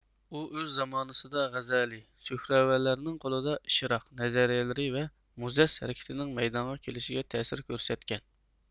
ئۇ ئۆز زامانىسىدا غەزالىي سۇھراۋەلەرنىڭ قولىدا ئىشراق نەزىرىيەلىرى ۋە موزەس ھەرىكىتىنىڭ مەيدانغا كىلىشىگە تەسىر كۆرسەتكەن